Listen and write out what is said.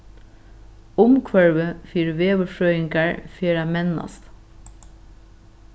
umhvørvið fyri veðurfrøðingar fer at mennast